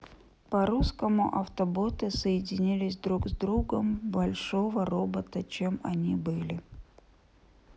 по русскому автоботы соединились друг с другом большого робота чем они были